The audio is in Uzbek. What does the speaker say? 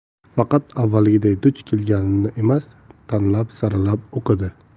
faqat avvalgiday duch kelganini emas tanlab saralab o'qidi